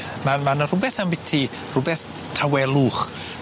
Ma' ma' 'ny rhwbeth ambiti rhwbeth tawelwch.